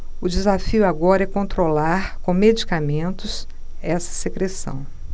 o desafio agora é controlar com medicamentos essa secreção